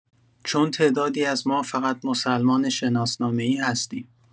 چون تعدادی از ما فقط مسلمان شناسنامه‌ای هستیم